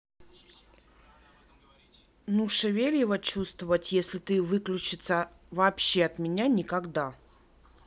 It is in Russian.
ну шевелева чувствовать если ты выключиться вообще от меня никогда